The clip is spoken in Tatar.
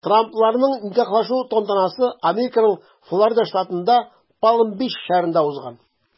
Трампларның никахлашу тантанасы Американың Флорида штатында Палм-Бич шәһәрендә узган.